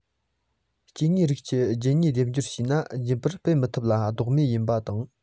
སྐྱེ དངོས རིགས ཀྱིས རྒྱུད གཉིས སྡེབ སྦྱོར བྱས ན རྒྱུད པ སྤེལ མི ཐུབ པ ལྡོག མེད ཡིན པ དང